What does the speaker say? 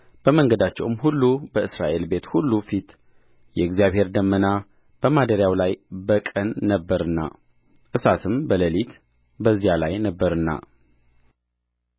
በመንገዳቸውም ሁሉ በእስራኤል ቤት ሁሉ ፊት የእግዚአብሔር ደመና በማደሪያው ላይ በቀን ነበረና እሳትም በሌሊት በዚያ ላይ ነበረና